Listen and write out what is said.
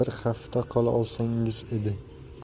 bir hafta qolaolsangiz edi